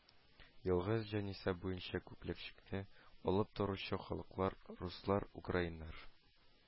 Елгы җанисәп буенча күпчеклекне алып торучы халыклар: руслар, украиннар